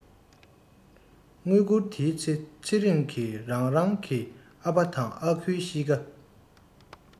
དངུལ བསྐུར དེའི ཚེ ཚེ རིང གི རང རང གི ཨ ཕ དང ཨ ཁུའི གཤིས ཀ